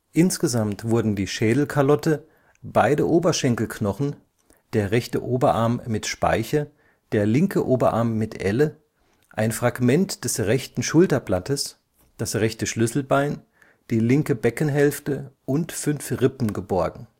Insgesamt wurden die Schädelkalotte, beide Oberschenkelknochen, der rechte Oberarm mit Speiche, der linke Oberarm mit Elle, ein Fragment des rechten Schulterblattes, das rechte Schlüsselbein, die linke Beckenhälfte und fünf Rippen geborgen